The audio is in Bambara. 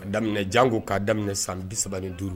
Ka daminɛ jan ko ka daminɛ san bisa ni duuru